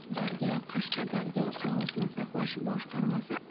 daryo qashqadaryo sog'liqni saqlash boshqarmasi